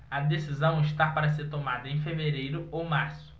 a decisão está para ser tomada em fevereiro ou março